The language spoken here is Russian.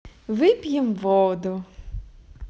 выпьем воду